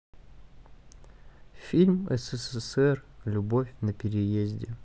фильм ссср любовь на переезде